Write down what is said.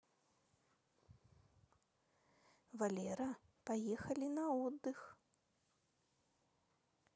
валера поехали на отдых